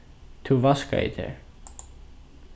tú vaskaði tær